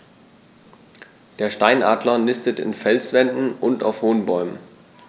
Der Steinadler nistet in Felswänden und auf hohen Bäumen.